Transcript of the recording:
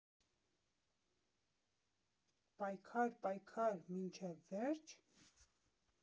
Պայքար, պայքար, մինչև վե՞րջ։